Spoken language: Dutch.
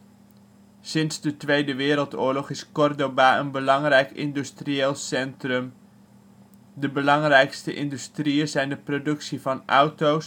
Sinds de Tweede Wereldoorlog is Córdoba een belangrijk industrieel centrum. De belangrijkste industrieën zijn de productie van auto